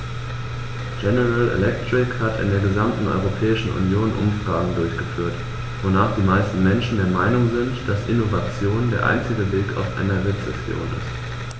General Electric hat in der gesamten Europäischen Union Umfragen durchgeführt, wonach die meisten Menschen der Meinung sind, dass Innovation der einzige Weg aus einer Rezession ist.